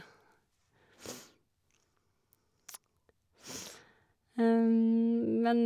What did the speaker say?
Men...